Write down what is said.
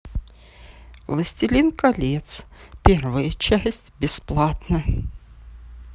властелин колец первая часть бесплатно